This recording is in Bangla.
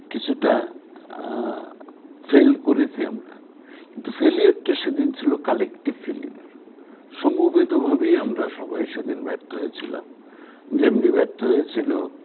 কিছুটা ফিল করেছি আমরা কিন্তু ফেইলিউর টা সেদিন ছিল কালেক্টিভ ফেইলিওর সমবেত ভাবেই আমরা সবাই সেদিন ব্যর্থ হয়েছিলাম যেমন ই ব্যর্থ হয়েছিল